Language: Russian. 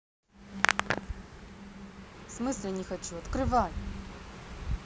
в смысле не хочу открывай